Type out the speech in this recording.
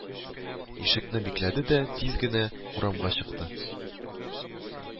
Ишекне бикләде дә тиз генә урамга чыкты